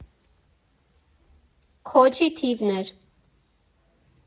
Քոչի թիվն էր։